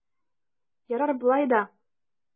Ярар болай да!